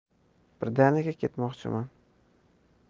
birdaniga ketmoqchiman